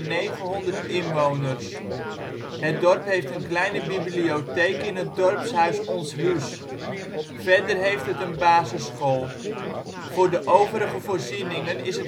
2006 ongeveer 900 inwoners. Het dorp heeft een kleine bibliotheek in het dorpshuis " Ons Huus ". Verder heeft het een basisschool. Voor de overige voorzieningen is